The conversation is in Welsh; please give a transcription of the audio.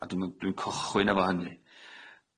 A dwi'm yn dwi'n cychwyn efo hynny.